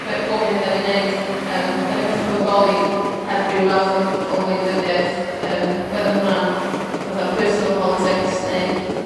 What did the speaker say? by- bob dim d'an ni neud yym 'dan ni methu bodoli heb ryw fath o o wleidyddiaeth yym whether ma' hwnna'n fatha personal politics neu